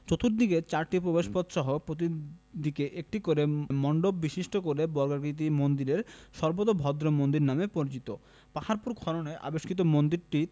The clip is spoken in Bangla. চতুর্দিকে চারটি প্রবেশপথসহ প্রতিদিকে একটি করে মন্ডপ বিশিষ্ট একটি বর্গাকৃতির মন্দির সর্বোতভদ্র মন্দির নামে পরিচিত পাহাড়পুর খননে আবিষ্কৃত মন্দিরটি